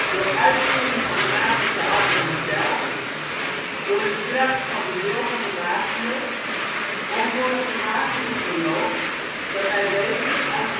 door uitvoering van de magische handeling zelf door de kracht van de wil van de magiër doordat de magiër gelooft dat hij wezens uit